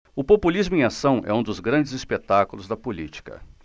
o populismo em ação é um dos grandes espetáculos da política